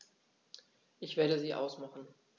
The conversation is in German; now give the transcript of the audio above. Ich werde sie ausmachen.